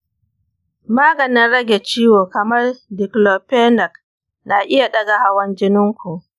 maganin rage ciwo kamar diclofenac na iya ɗaga hawan jinin ku.